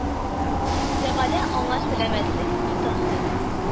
Тәгалә аңа сәламәтлек, и тиһад